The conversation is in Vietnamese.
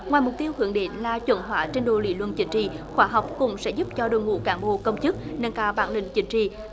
ngoài mục tiêu hướng đến là chuẩn hóa trình độ lý luận chính trị khóa học cũng sẽ giúp cho đội ngũ cán bộ công chức nâng cao bản lĩnh chính trị